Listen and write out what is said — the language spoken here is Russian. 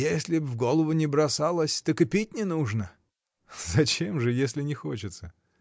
Если б в голову не бросалось, так и пить не нужно. — Зачем же, если не хочется?